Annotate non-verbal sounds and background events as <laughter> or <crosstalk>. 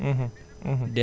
<hesitation> <hesitation> <hesitation> <hesitation>